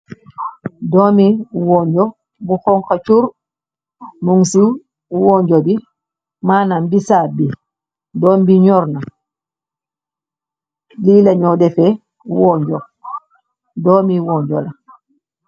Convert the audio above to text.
Doomi woonjo bu xonxa chuur mun ci woonjo bi, maanam bisaab bi doom bi ñyoor na. li lañyoo defee woonjo doomi woonjo la.